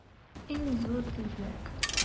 Иң зур тизлек!